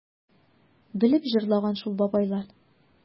Белеп җырлаган шул бабайлар...